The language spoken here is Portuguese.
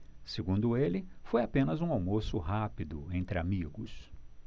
segundo ele foi apenas um almoço rápido entre amigos